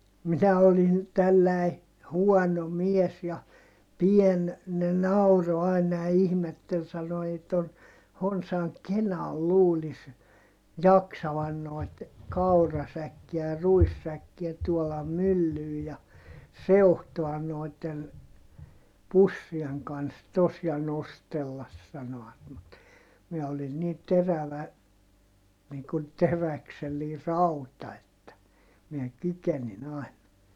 minä olin tällainen huono mies ja pieni ne nauroi aina ja ihmetteli sanoi ei tuon honsan kenalla luulisi jaksavan noita kaurasäkkejä ja ruissäkkejä tuolla myllyyn ja seuhtoa noiden pussien kanssa tuossa ja nostella sanoivat mutta minä olin niin terävä niin kuin teräksellinen rauta että minä kykenin aina